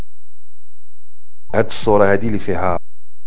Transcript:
الصوره هذي فيها